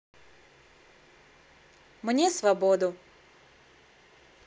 мне свободу